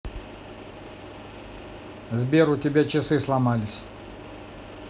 сбер у тебя часы сломались